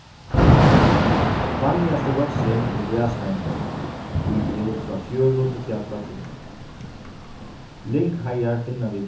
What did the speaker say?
vanligasti vøksturin er graslendi ið er frá fjøru til fjallatind lyngheiðar finna vit